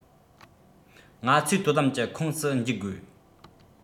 ང ཚོས དོ དམ གྱི ཁོངས སུ འཇུག དགོས